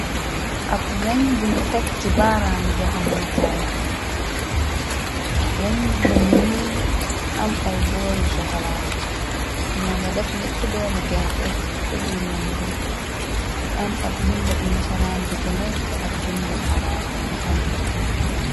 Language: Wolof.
Ab weñ buñu teg ci baaraam joxañekaay, weñg mu nga ñuul am ay booryi sokola, ñoo nga def ñett doomi gerte ca biir wenj nga, mu am ab bindab nesaran bu ca nekk ak binda arab bu fane.